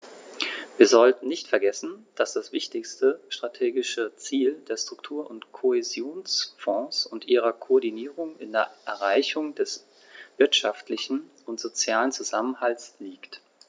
Wir sollten nicht vergessen, dass das wichtigste strategische Ziel der Struktur- und Kohäsionsfonds und ihrer Koordinierung in der Erreichung des wirtschaftlichen und sozialen Zusammenhalts liegt.